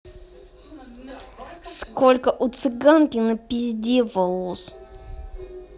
сколько у цыганки на пизде волос